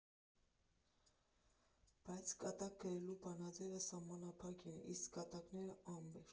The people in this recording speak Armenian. Բայց կատակ գրելու բանաձևերը սահմանափակ են, իսկ կատակները՝ անվերջ։